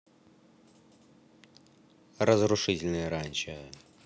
разрушительное ранчо